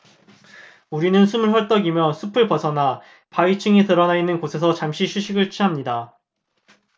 우리는 숨을 헐떡이며 숲을 벗어나 바위층이 드러나 있는 곳에서 잠시 휴식을 취합니다